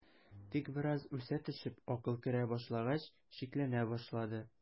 Тик бераз үсә төшеп акыл керә башлагач, шикләнә башлады.